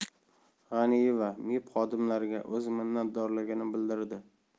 g'aniyeva mib xodimlariga o'z minnatdorligini bildirdi